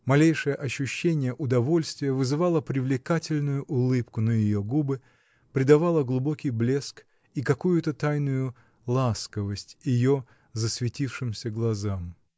малейшее ощущение удовольствия вызывало привлекательную улыбку на ее губы, придавало глубокий блеск и какую-то тайную ласковость ее засветившимся глазам.